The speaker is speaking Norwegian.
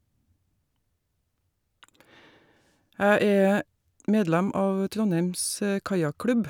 Jeg er medlem av Trondheims Kajakklubb.